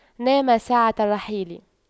نام ساعة الرحيل